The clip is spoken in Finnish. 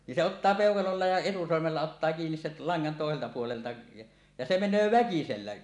niin se ottaa peukalolla ja etusormella ottaa kiinni sen langan toiselta puolelta ja ja se menee väkisellä